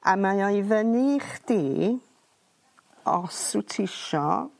A mae o i fyny i chdi os wt t' isio